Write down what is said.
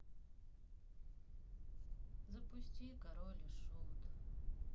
запусти король и шут